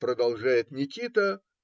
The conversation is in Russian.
- продолжает Никита.